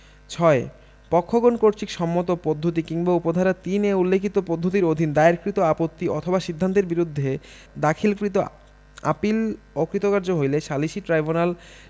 ৬ পক্ষগণ কর্তৃক সম্মত পদ্ধতি কিংবা উপ ধারা ৩ এ উল্লেখিত পদ্ধতির অধীন দায়েরকৃত আপত্তি অথবা সিদ্ধান্তের বিরুদ্ধে দাখিলকৃত আপীল অকৃতভার্য হইলে সালিসী ট্রাইব্যুনাল